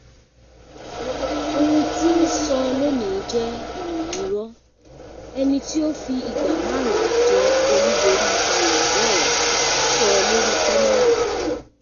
Ohun tí n sọ lónìí jẹ́, ìròyìn irọ̀,” Ẹni tí ó fi ìgbà márùn ún jẹ́ olùborí Ballon d'Or sọ lór’i kámẹ́rà.